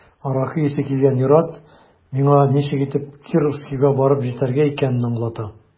Аракы исе килгән ир-ат миңа ничек итеп Кировскига барып җитәргә икәнен аңлата.